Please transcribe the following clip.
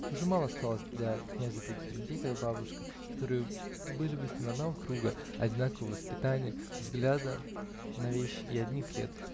Уже мало оставалось для князя таких людей, как бабушка, которые были бы с ним одного круга, одинакового воспитания, взгляда на вещи и одних лет